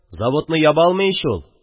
Заводны яба алмый ич ул